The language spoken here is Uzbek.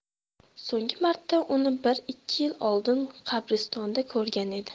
so'nggi marta uni bir ikki yil oldin qabristonda ko'rgan edi